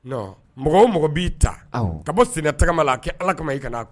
Non mɔgɔ o mɔgɔ b'i ta awɔ ka bɔ senna tagama la a kɛ Ala kama i kana